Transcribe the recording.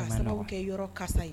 Ka sababu kɛ yɔrɔ kasa ye.